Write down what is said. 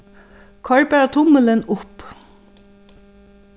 koyr bara tummilin upp